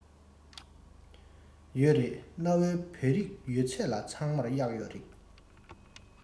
ཡོད རེད གནའ བོའི བོད རིགས ཡོད ས ཚང མར གཡག ཡོད རེད